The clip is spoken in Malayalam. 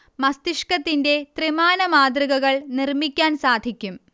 മസ്തിഷ്കത്തിന്റെ ത്രിമാന മാതൃകകൾ നിർമ്മിക്കാൻ സാധിക്കും